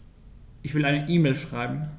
Ich will eine E-Mail schreiben.